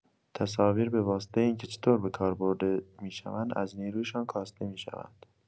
تصاویر به واسطه اینکه چطور به کار برده می‌شوند از نیرویشان کاسته می‌شود.